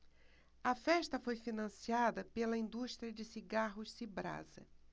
a festa foi financiada pela indústria de cigarros cibrasa